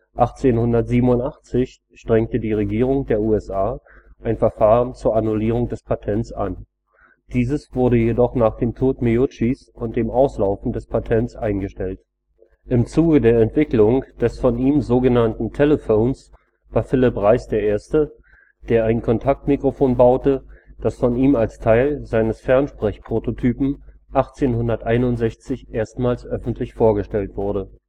1887 strengte die Regierung der USA ein Verfahren zur Annullierung des Patents an. Dieses wurde jedoch nach dem Tod Meuccis und dem Auslaufen des Patents eingestellt. Im Zuge der Entwicklung des von ihm so genannten „ Telephons “war Philipp Reis der erste, der ein Kontaktmikrophon baute, das von ihm als Teil seines Fernsprechprototypen 1861 erstmals öffentlich vorgestellt wurde